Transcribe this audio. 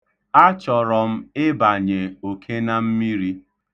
Achọrọ m ịbanye okenammiri.